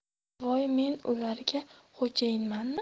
voy men ularga xo'jayinmanmi